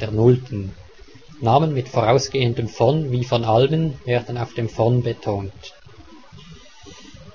der nullten - Namen mit vorausgehendem " von " wie von Allmen werden auf dem von betont).